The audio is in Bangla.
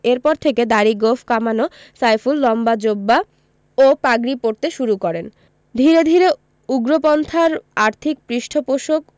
এরপর থেকে দাড়ি গোঁফ কামানো সাইফুল লম্বা জোব্বা ও পাগড়ি পরতে শুরু করেন ধীরে ধীরে উগ্রপন্থার আর্থিক পৃষ্ঠপোষক